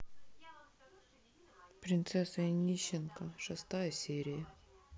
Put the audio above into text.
принцесса и нищенка шестая серия